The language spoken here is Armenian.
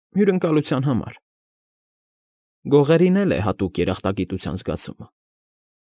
Հյուրընկալության համար։ Գողերին էլ է հատուկ երախտագիտության զգացումը։